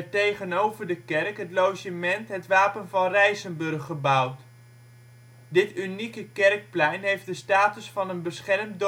tegenover de kerk het logement het Wapen van Rijsenburg gebouwd. Dit unieke kerkplein heeft de status van een beschermd